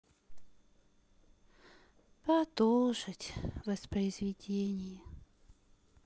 продолжить воспроизведение